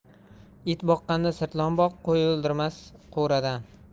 it boqqanda sirtlon boq qo'y oldirmas qo'radan